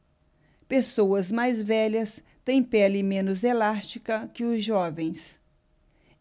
pessoas mais velhas têm pele menos elástica que os jovens